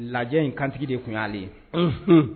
Lajɛ in kantigi de tun'ale ye